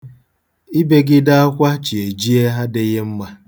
Ibegide akwa chi ejie adịghị mma.